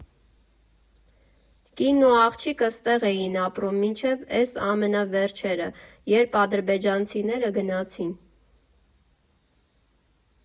Կինն ու աղջիկը ստեղ էին ապրում, մինչև էս ամենավերջերը, երբ ադրբեջանցիները գնացին։